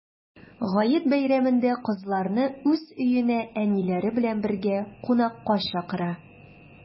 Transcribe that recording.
Гает бәйрәмендә кызларны уз өенә әниләре белән бергә кунакка чакыра.